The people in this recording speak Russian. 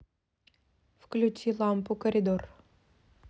включи лампу коридор